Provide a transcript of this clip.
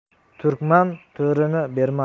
turkman to'rini bermas